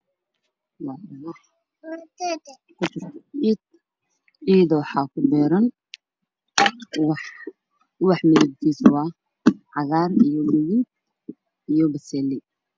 Waa ubax midabkiisu yahay cagaar beseli m meesha uu ku beeran yahayna waa darbi agteeda